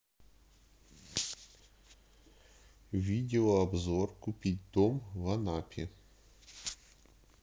видеообзор купить дом в анапе